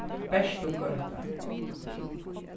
bertugøta